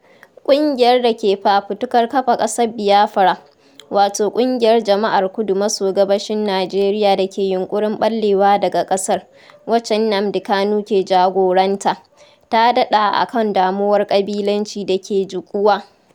ƙungiyar da ke Fafutukar Kafa ƙasar Biafra, wato ƙungiyar jama'ar kudu maso gabashin Nijeriya da ke yunƙurin ɓallewa daga ƙasar, wacce Nnamdi Kanu ke jagoranta, ta daɗa a kan damuwar ƙabilanci da ke jiƙuwa.